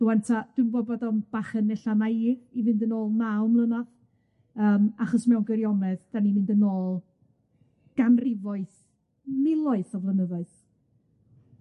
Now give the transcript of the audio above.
Rŵan ta dwi'n gwbo bod o'n bach yn ella naif i fynd yn ôl naw mlynadd, yym achos mewn gwirionedd 'dan ni'n mynd yn ôl ganrifoedd, miloedd o flynyddoedd.